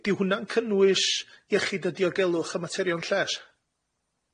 D- dyw hwnna'n cynnwys iechyd yn diogelwch a materion lles?